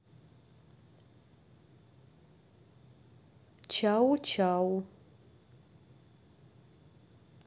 чау чау